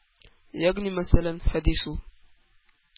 -ягъни мәсәлән, хәдис ул,